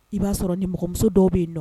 I b'a sɔrɔ ni mɔgɔmuso dɔw bɛ yen dɔn